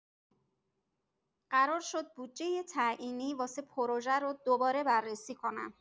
قرار شد بودجه تعیینی واسه پروژه رو دوباره بررسی کنن.